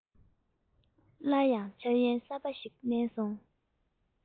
སླར ཡང འཆར ཡན གསར པ ཞིག བསྣན སོང